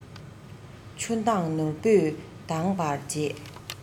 ཆུ མདངས ནོར བུས དྭངས པར བྱེད